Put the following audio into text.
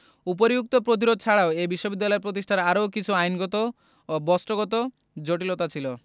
উপরিউক্ত প্রতিরোধ ছাড়াও এ বিশ্ববিদ্যালয় প্রতিষ্ঠায় আরও কিছু আইনগত ও বস্ত্তগত জটিলতা ছিল